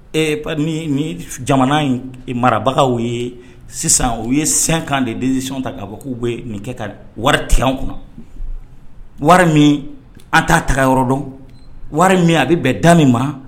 Ni jamana in marabagaw ye sisan u ye sankan de densi ta ka bɔ k'u bɛ nin kɛ ka wari tigɛya kɔnɔ wari min an t' taga yɔrɔ dɔn wari min a bɛ bɛn da min mara